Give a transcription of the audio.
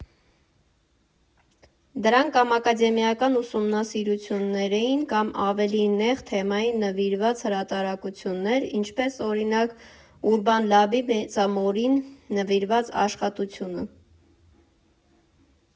Դրանք կամ ակադեմիական ուսումնասիրություններ էին, կամ ավելի նեղ թեմայի նվիրված հրատարակություններ, ինչպես, օրինակ՝ ուրբանլաբի՝ Մեծամորին նվիրված աշխատությունը։